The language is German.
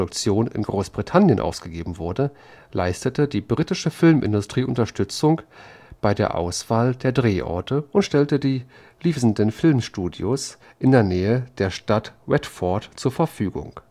in Großbritannien ausgegeben wurde, leistete die britische Filmindustrie Unterstützung bei der Auswahl der Drehorte und stellte die Leavesden Film Studios in der Nähe der Stadt Watford zur Verfügung